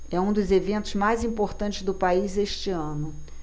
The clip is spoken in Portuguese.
é um dos eventos mais importantes do país este ano